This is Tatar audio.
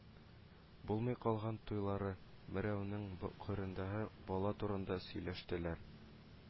Булмый калган туйлары, Мәрүәнең карынындагы бала турында сөйләштеләр